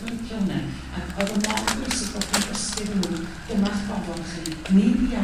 yn licio hwne ac oedd o mor bwysig bo' chi'n dysgu 'ddyn nhw dyma'ch gofod chi ni bia